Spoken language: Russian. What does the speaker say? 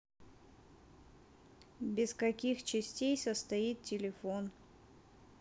без каких частей состоит телефон